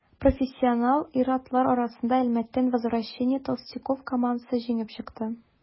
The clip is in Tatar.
Профессионал ир-атлар арасында Әлмәттән «Возвращение толстяков» командасы җиңеп чыкты.